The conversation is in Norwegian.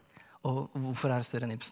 og hvorfor er det større enn Ibsen?